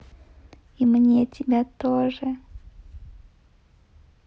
и мне тебя тоже